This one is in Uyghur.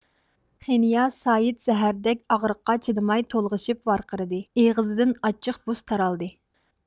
خنېيا سايىت زەھەردەك ئاغرىققا چىدىماي تولغىشىپ ۋارقىرىدى ئېغىزىدىن ئاچچىق بۇس تارالدى